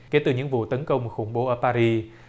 kể từ những vụ tấn công khủng bố ở pa ri